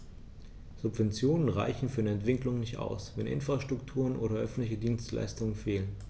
Subventionen reichen für eine Entwicklung nicht aus, wenn Infrastrukturen oder öffentliche Dienstleistungen fehlen.